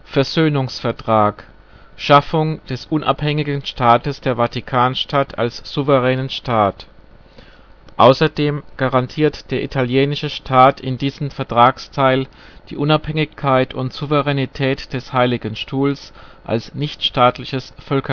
Versöhnungsvertrag - Schaffung des unabhängigen Staates der Vatikanstadt als souveränen Staat. Außerdem garantiert der italienische Staat in diesen Vertragsteil die Unabhängigkeit und Souveränität des Heiligen Stuhls als nichtstaatliches Völkerrechtssubjekt